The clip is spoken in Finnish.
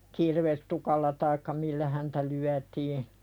kirvestukilla tai millä häntä lyötiin